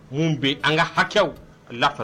Mun bɛ an ka hakɛw a la